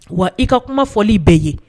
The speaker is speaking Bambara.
Wa i ka kumafɔli bɛ yen